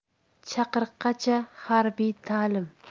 chaqiriqqacha harbiy ta'lim